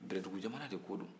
bɛlɛdugujamana in de ko don